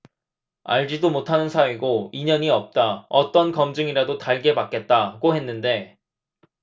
알지도 못하는 사이고 인연이 없다 어떤 검증이라도 달게 받겠다고 했는데